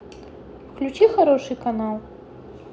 включи хороший канал